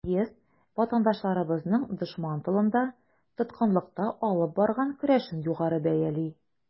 Съезд ватандашларыбызның дошман тылында, тоткынлыкта алып барган көрәшен югары бәяли.